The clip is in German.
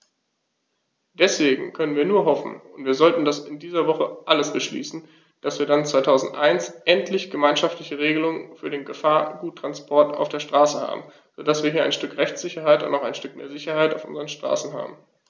Deswegen können wir nur hoffen - und wir sollten das in dieser Woche alles beschließen -, dass wir dann 2001 endlich gemeinschaftliche Regelungen für den Gefahrguttransport auf der Straße haben, so dass wir hier ein Stück Rechtssicherheit und auch ein Stück mehr Sicherheit auf unseren Straßen haben.